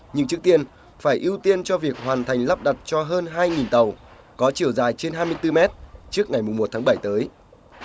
nhưng trước tiên phải ưu tiên cho việc hoàn thành lắp đặt cho hơn hai nghìn tàu có chiều dài trên hai mươi tư mét trước ngày mùng một tháng bảy tới